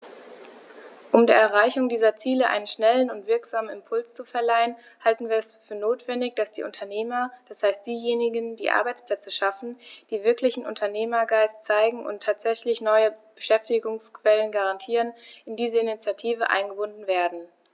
Um der Erreichung dieser Ziele einen schnellen und wirksamen Impuls zu verleihen, halten wir es für notwendig, dass die Unternehmer, das heißt diejenigen, die Arbeitsplätze schaffen, die wirklichen Unternehmergeist zeigen und tatsächlich neue Beschäftigungsquellen garantieren, in diese Initiative eingebunden werden.